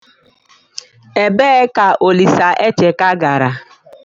Ebee ka Olisaecheka gara?